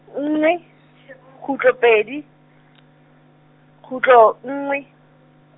nngwe , khutlo pedi , khutlo nngwe.